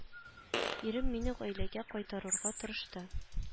Ирем мине гаиләгә кайтарырга тырышты